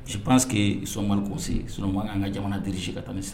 Je pense que, ils sont mal conseillés sinon u ma kan ka an ka jamana diriger ka